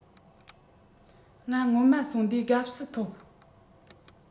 ང སྔོན མ སོང དུས དགའ བསུ ཐོབ